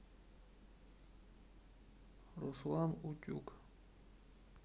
руслан утюг